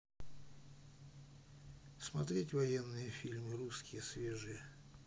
смотреть военные фильмы русские свежие